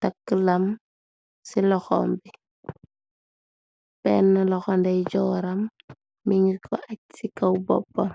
takk lam ci lohom bi, benn loho ndejooram mungi ko ac ci kaw boppon.